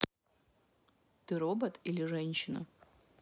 ты робот или женщина